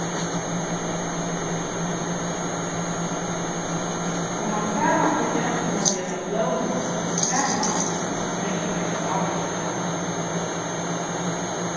um mann samanber gentuna við eina blómu so sær mann hvussu nógv hetta ávirkar hana